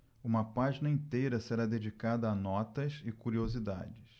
uma página inteira será dedicada a notas e curiosidades